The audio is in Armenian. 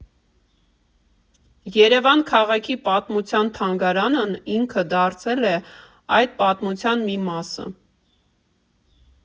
Երևան քաղաքի պատմության թանգարանն ինքը դարձել է այդ պատմության մի մասը։